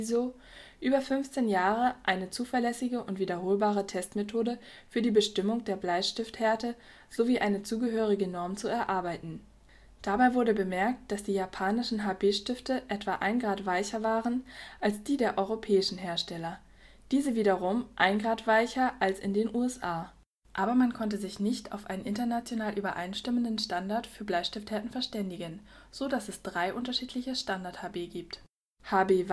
über 15 Jahre eine zuverlässige und wiederholbare Test-Methode für die Bestimmung der Bleistifthärte sowie eine zugehörige Norm zu erarbeiten. Dabei wurde bemerkt, dass die japanischen HB-Stifte etwa ein Grad weicher waren als die der europäischen Hersteller, diese wiederum ein Grad weicher als in den USA. Aber man konnte sich nicht auf einen international übereinstimmenden Standard für Bleistifthärten verständigen, so dass es drei unterschiedliche „ Standard “- HB gibt: HB